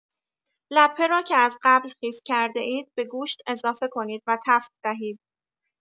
لپه را که از قبل خیس کرده‌اید، به گوشت اضافه کنید و تفت دهید.